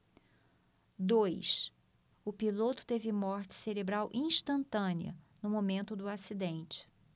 dois o piloto teve morte cerebral instantânea no momento do acidente